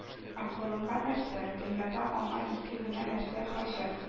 Ә колынга нәрсә – дөньяда аңа ике генә нәрсә хаҗәт: